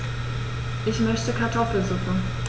Ich möchte Kartoffelsuppe.